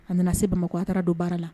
A nana se bamakɔ a taara don baara la